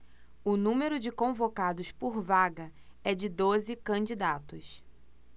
o número de convocados por vaga é de doze candidatos